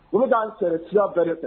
Olu' cɛ siya bɛɛrɛ fɛ